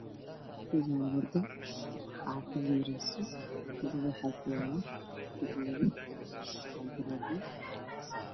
Waa wado xaafado mareeso wadada waxa ku yaalo geedo cali garoobyo